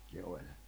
ne oli